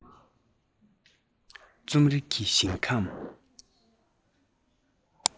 རྩོམ རིག གི ཞིང ཁམས